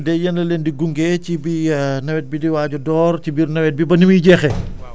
yé&en de yéen a leen di gunge ci bi nawet bi di waaj a door ci bi nawet bi ba ni muy jeexee